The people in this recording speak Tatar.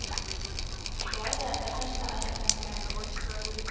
Шулай да бернәрсә гаҗәпләндерә